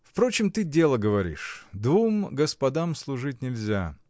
Впрочем, ты дело говоришь: двум господам служить нельзя!